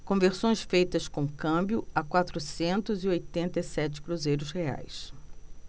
conversões feitas com câmbio a quatrocentos e oitenta e sete cruzeiros reais